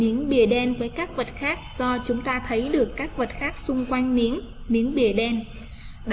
những địa điểm với các vật khác do chúng ta thấy được các vật khác xung quanh miếng miếng bìa đen